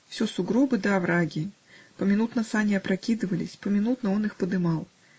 Всё сугробы да овраги; поминутно сани опрокидывались, поминутно он их подымал.